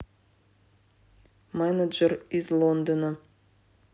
менеджер из лондона